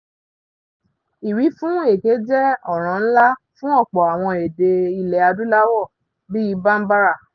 Ìwífún èké jẹ́ ọ̀ràn ńlá fún ọ̀pọ̀ àwọn èdè ilẹ̀ Adúláwọ̀ bíi Bambara.